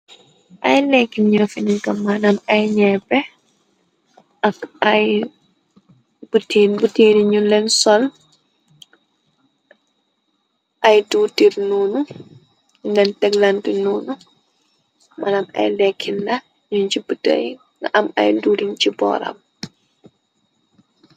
Ay lekkin ño finika manan ay ñepe ak buteri ñu leen sol ay tuir nn nu leen teglanti nuunu malam ay lekki na ñuñ ci bëtëri na am ay duuriñ ci booram.